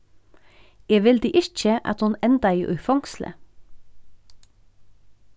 eg vildi ikki at hon endaði í fongsli